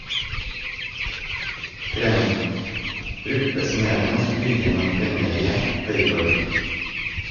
Kreml - ryktesmedenes ugjennomtrengelige høyborg.